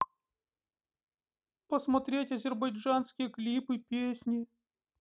посмотреть азербайджанские клипы песни